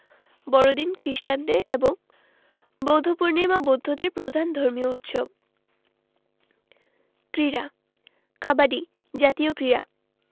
বড়দিন খ্রিস্টানদের এবং বৌদ্ধপূর্ণিমা বৌদ্ধদের প্রধান ধর্মীয় উৎসব ক্রীড়াঃ কাবাডি জাতীয় ক্রীড়া